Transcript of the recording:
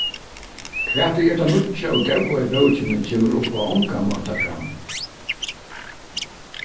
hvat ið er tað nýggja og góða í bókini kemur upp á ongan máta fram